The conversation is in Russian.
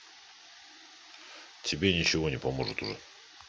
тебе ничего не поможет уже